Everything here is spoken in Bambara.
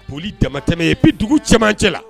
P damatɛmɛ ye bɛ dugu cɛmancɛ la